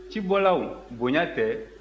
cibɔlaw bonya tɛ